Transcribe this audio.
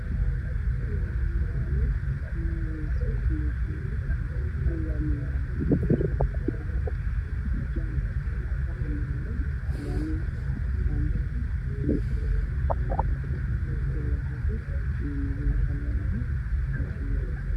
Meeshaan way laami waxaa ka taagan boor khalifkiisa iyo buluug caddaan waxaa maraayo bajaajjo guduud